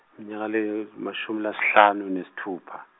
emnyaka lemashumi lasihlanu nesitfupha.